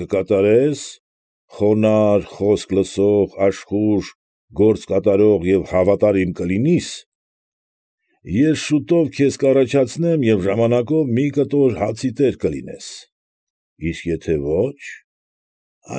Կկատարես, խոնարհ, խոսք լսող, աշխույժ, գործ կատարող և հավատարիմ կլինիս ֊ ես շուտով քեզ կառաջացնեմ, և ժամանակով մի կտոր հացի տեր կլինես, իսկ եթե ոչ ֊